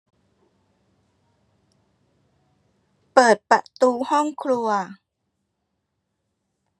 เปิดประตูห้องครัว